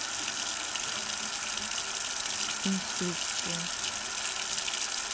инструкция